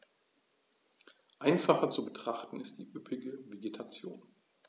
Einfacher zu betrachten ist die üppige Vegetation.